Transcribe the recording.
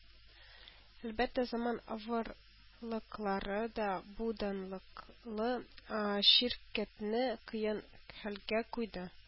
Әлбәттә, заман авырлыклары да бу данлыклы ширкәтне кыен хәлгә куйды.